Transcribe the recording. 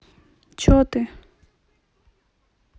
че ты